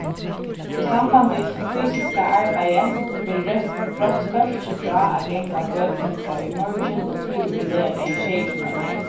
í samband við fysiska arbeiðið verður røtt rátt fólki frá at ganga á gøtuni frá í morgin og til og við leygardagin sjeyogtjúgunda mai